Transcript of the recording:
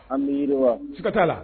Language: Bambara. An biiri wa suka t'a la